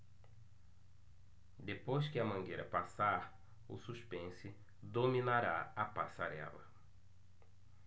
depois que a mangueira passar o suspense dominará a passarela